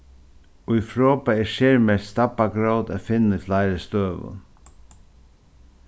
í froðba er sermerkt stabbagrót at finna í fleiri støðum